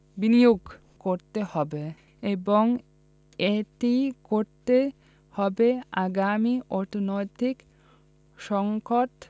বিনিয়োগ করতে হবে এবং এটি করতে হবে আগামী অর্থনৈতিক সংকট